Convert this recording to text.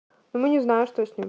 ну мы не знаю что с ним